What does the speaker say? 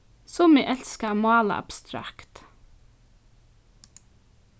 summi elska at mála abstrakt